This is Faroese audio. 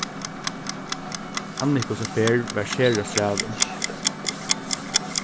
annikusa ferð var sera strævin